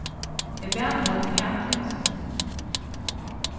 eg bað teg halda uppat við hasum